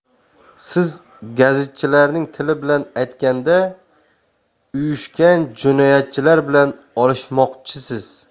siz gazitchilarning tili bilan aytganda uyushgan jinoyatchilar bilan olishmoqchisiz